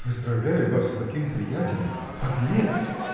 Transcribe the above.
– Поздравляю вас с таким приятелем – подлец!